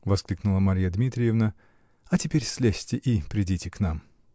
-- воскликнула Марья Дмитриевна, -- а теперь слезьте и придите к нам.